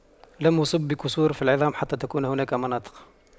لم أصب بكسور في العظام حتى تكون هناك مناطق